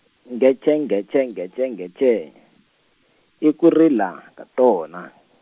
ngece ngece ngece ngece, i ku rila, ka tona.